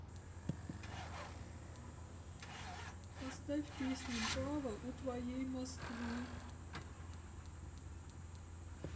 поставь песню браво у твоей москвы